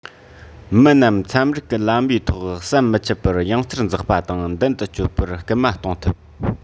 མི རྣམས ཚན རིག གི ལམ བུའི ཐོག ཟམ མི འཆད པར ཡང རྩེར འཛེག པ དང མདུན དུ སྐྱོད པར སྐུལ མ གཏོང ཐུབ